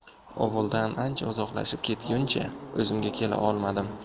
ovuldan ancha uzoqlashib ketguncha o'zimga kela olmadim